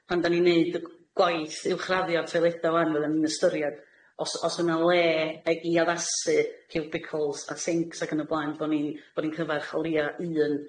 Pan da ni'n neud y gw- gwaith uwchraddio'r toileda ŵan, fyddan ni'n ystyried os o's 'na le ei- i addasu cubicles a sinks ac yn y blaen, bo' ni'n- bo' ni'n cyfarch o l'ia un